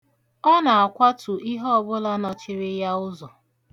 Ọ na-akwatu ihe ọbụla nọchiri ya ụzọ.